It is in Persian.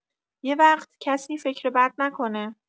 یوقت کسی فکر بد نکنه!